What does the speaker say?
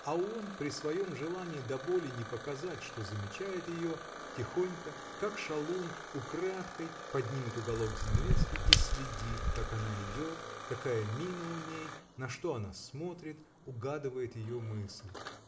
а он, при своем желании до боли не показать, что замечает ее, тихонько, как шалун, украдкой, поднимет уголок занавески и следит, как она идет, какая мина у ней, на что она смотрит, угадывает ее мысль.